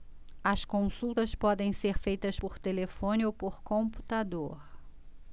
as consultas podem ser feitas por telefone ou por computador